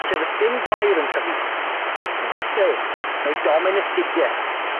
lle do's dim gwair yn tyfu, Boot Hill, neu Domen Esgidie.